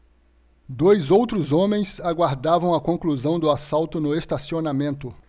dois outros homens aguardavam a conclusão do assalto no estacionamento